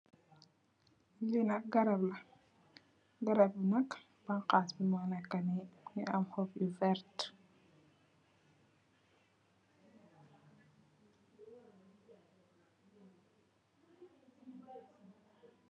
Li nak garap la, garap bi nak mbangxas bi mo nekka ni mugii am xob yu werta .